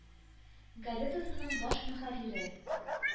Газетасының баш мөхәррире: